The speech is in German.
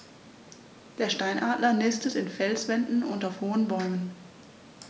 Der Steinadler nistet in Felswänden und auf hohen Bäumen.